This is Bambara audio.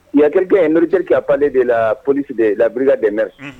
Kɛkɛ in noɔricri kap ale de la polisi de labbi dɛmɛme